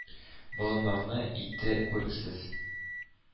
Болыннарны итте күрексез.